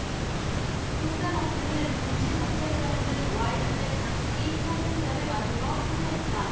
롯데마트는 당시 자체 브랜드 와이즐렉 가습기 살균제를 만들어 판매했다